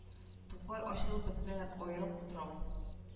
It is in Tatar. Тукай ачылып бетмәгән аерым утрау